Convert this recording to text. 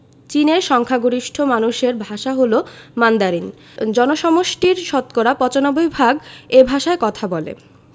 চীনের সংখ্যাগরিষ্ঠ মানুষের ভাষা হলো মান্দারিন জনসমষ্টির শতকরা ৯৫ ভাগ এ ভাষায় কথা বলে